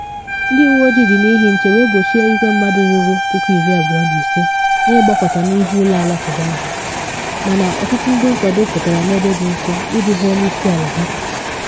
Ndị uwe ojii ji n’ihi nche wee gbochie igwe mmadụ ruru 25,000 na ịgbakọta n’ihu ụlọ alakụba ahụ, mana ọtụtụ ndị nkwado pụtara n’ebe dị nso iji hụ onye isi ala ha.